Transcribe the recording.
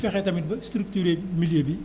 fexe tamit ba structuré milieu bi